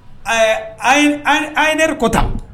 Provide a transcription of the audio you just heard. Ɛɛ a ye ne kota